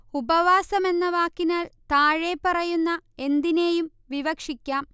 ഉപവാസം എന്ന വാക്കിനാൽ താഴെപ്പറയുന്ന എന്തിനേയും വിവക്ഷിക്കാം